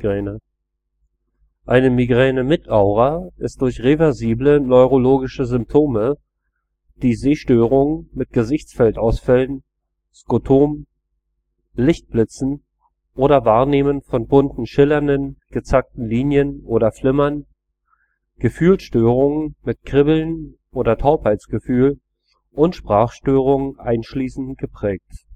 Eine Migräne mit Aura ist durch reversible neurologische Symptome, die Sehstörungen mit Gesichtsfeldausfällen, Skotomen, Lichtblitzen oder Wahrnehmen von bunten, schillernden, gezackten Linien oder Flimmern, Gefühlsstörungen mit Kribbeln oder Taubheitsgefühl und Sprachstörungen einschließen, geprägt